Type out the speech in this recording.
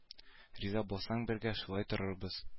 Риза булсаң бергә шулай торырбыз